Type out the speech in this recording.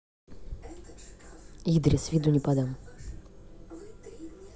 idris виду не подам